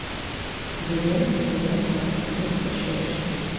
Бүген биредә 48 кеше эшли.